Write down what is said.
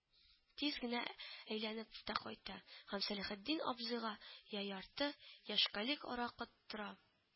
Тиз генә ә әйләнеп тә кайта һәм Сәләхетдин абзыйга я ярты, я шкалик аракы тоттыра